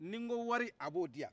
ni n ko wari a b'o diyan